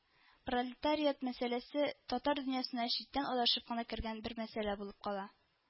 Пролетариат мәсьәләсе татар дөньясына читтән адашып кына кергән бер мәсьәлә булып кала